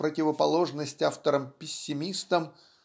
в противоположность авторам-пессимистам